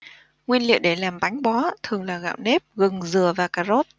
nguyên liệu để làm bánh bó thường là gạo nếp gừng dừa và cà rốt